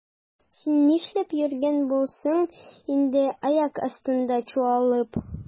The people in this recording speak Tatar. Син нишләп йөргән буласың инде аяк астында чуалып?